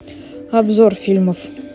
обзор фильмов